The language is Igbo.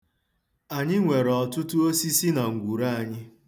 Anyị nwere ọtụtụ osisi na ngwuru anyị.